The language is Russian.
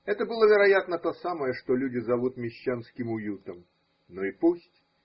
Это было, вероятно, то самое, что люди зовут мещанским уютом. Ну, и пусть.